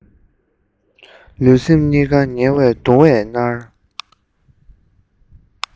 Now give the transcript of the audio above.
རང ལ དབང བའི གུར ཞིག ཕུབ རྗེས